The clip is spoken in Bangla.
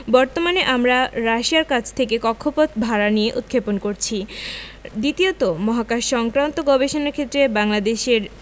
বর্তমানে আমরা রাশিয়ার কাছ থেকে কক্ষপথ ভাড়া নিয়ে উৎক্ষেপণ করেছি দ্বিতীয়ত মহাকাশসংক্রান্ত গবেষণার ক্ষেত্রে বাংলাদেশের